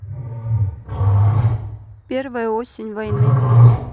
первая осень войны